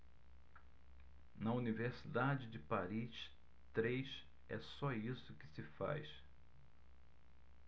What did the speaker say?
na universidade de paris três é só isso que se faz